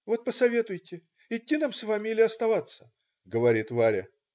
"Вот посоветуйте, идти нам с вами или оставаться,- говорит Варя.